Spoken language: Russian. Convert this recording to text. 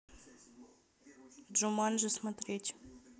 джуманджи смотреть